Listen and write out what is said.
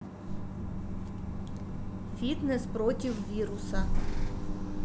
фитнес против вируса